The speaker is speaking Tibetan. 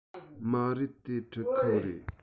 མ རེད དེ ཁྲུད ཁང རེད